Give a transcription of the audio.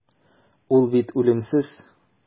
Ул бит үлемсез.